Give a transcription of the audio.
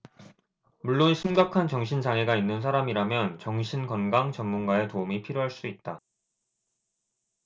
물론 심각한 정신 장애가 있는 사람이라면 정신 건강 전문가의 도움이 필요할 수 있다